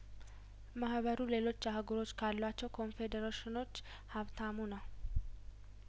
ማህበሩ ሌሎች አህጉሮች ካሏቸው ኮንፌዴሬሽኖች ሀብታሙ ነው